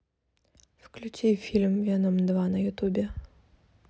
включи фильм веном два на ютубе